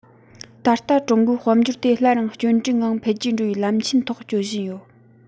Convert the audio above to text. ད ལྟ ཀྲུང གོའི དཔལ འབྱོར དེ སླར ཡང སྐྱོན བྲལ ངང འཕེལ རྒྱས འགྲོ བའི ལམ ཆེན ཐོག སྐྱོད བཞིན ཡོད